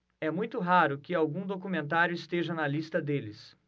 é muito raro que algum documentário esteja na lista deles